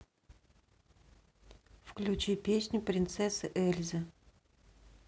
включи песню принцессы эльзы